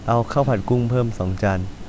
เอาข้าวผัดกุ้งเพิ่มสองจาน